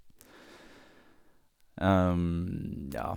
Ja.